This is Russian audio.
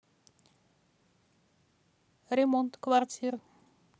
ремонт квартир